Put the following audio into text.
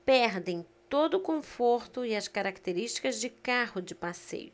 perdem todo o conforto e as características de carro de passeio